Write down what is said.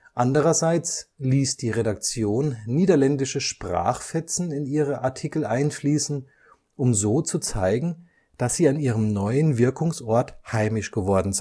Andererseits ließ die Redaktion niederländische Sprachfetzen in ihre Artikel einfließen, um so zu zeigen, dass sie an ihrem neuen Wirkungsort heimisch geworden